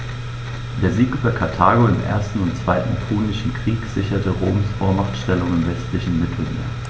Der Sieg über Karthago im 1. und 2. Punischen Krieg sicherte Roms Vormachtstellung im westlichen Mittelmeer.